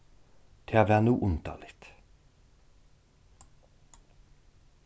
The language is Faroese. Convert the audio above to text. tað var nú undarligt